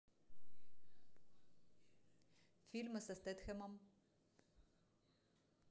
фильмы со стетхемом